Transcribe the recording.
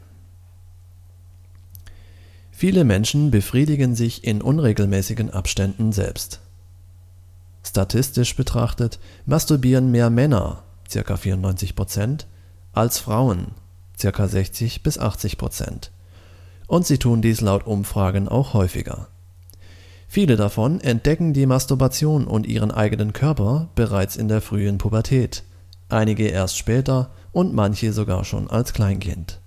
Viele Menschen befriedigen sich in unregelmäßigen Abständen selbst. Statistisch betrachtet masturbieren mehr Männer (ca. 94 %) als Frauen (ca. 60 bis 80 %),, und sie tun dies laut Umfragen auch häufiger. Viele davon entdecken die Masturbation und ihren eigenen Körper bereits in der frühen Pubertät, einige erst später und manche schon als Kleinkind